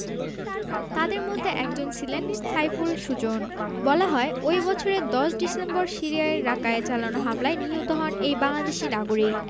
তাঁদের মধ্যে একজন ছিলেন সাইফুল সুজন বলা হয় ওই বছরের ১০ ডিসেম্বর সিরিয়ার রাকায় চালানো হামলায় নিহত হন এই বাংলাদেশি নাগরিক